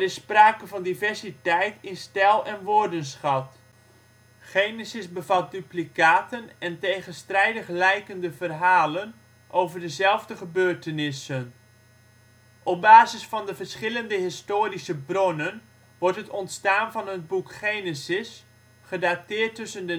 sprake van diversiteit in stijl en woordenschat. Genesis bevat duplicaten en tegenstrijdig lijkende verhalen over dezelfde gebeurtenissen Op basis van de verschillende historische bronnen wordt het ontstaan van het boek Genesis gedateerd tussen